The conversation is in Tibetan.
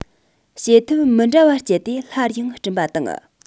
བྱེད ཐབས མི འདྲ བ སྤྱད དེ སླར ཡང སྐྲུན པ དང